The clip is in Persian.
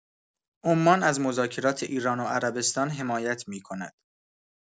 عمان از مذاکرات ایران و عربستان حمایت می‌کند.